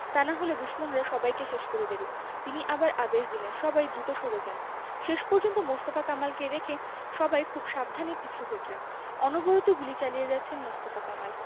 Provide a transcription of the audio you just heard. তা না হলে দুশমনরা সবাইকে শেষ করে দেবে তিনি আবার আদেশ দিলেন সবাই দ্রুত সরে যান শেষ পর্যন্ত মোস্তফা কামালকে রেখে সবাই খুব সাবধানে পিছু হটলেন অনবরত গুলি চালিয়ে যাচ্ছেন মোস্তফা কামাল